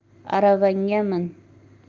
aravangga min